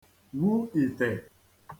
wu ìtè